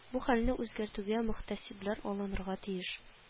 Бу хәлне үзгәртүгә мөхтәсибләр алынырга тиеш